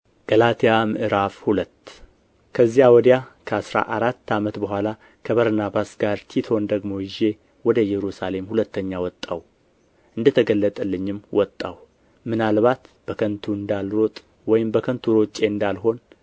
ገላትያ ምዕራፍ ሁለት ከዚያ ወዲያ ከአሥራ አራት ዓመት በኋላ ከበርናባስ ጋር ቲቶን ደግሞ ይዤ ወደ ኢየሩሳሌም ሁለተኛ ወጣሁ እንደ ተገለጠልኝም ወጣሁ ምናልባትም በከንቱ እንዳልሮጥ ወይም በከንቱ ሮጬ እንዳልሆን